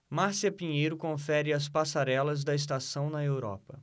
márcia pinheiro confere as passarelas da estação na europa